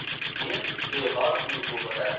keyin behol uyqu bosadi